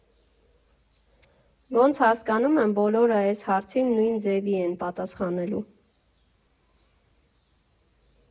Ոնց հասկանում եմ, բոլորը էս հարցին նույն ձևի են պատասխանելու…